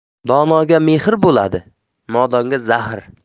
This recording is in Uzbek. donoda mehr bo'ladi nodonda zahr